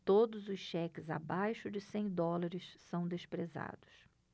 todos os cheques abaixo de cem dólares são desprezados